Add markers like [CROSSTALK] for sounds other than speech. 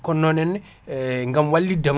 kono non henna [HESITATION] gam walliddemo